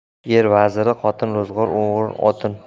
er vaziri xotin ro'zg'or og'iri o'tin